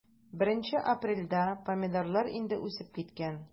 1 апрельдә помидорлар инде үсеп киткән.